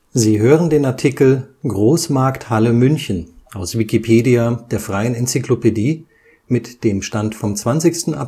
Sie hören den Artikel Großmarkthalle München, aus Wikipedia, der freien Enzyklopädie. Mit dem Stand vom Der